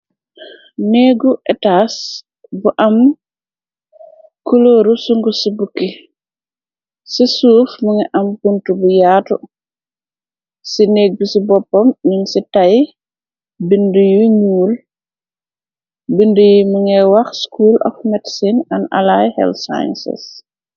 Néegu etas bu am kulooru su ngu ci bukki , ci suuf mi nga am bunt bu yaatu, ci néeg bi ci boppam nin ci tay bind yu ñuul. Bindy mi ngay wax school af medecine an ali hell sciences.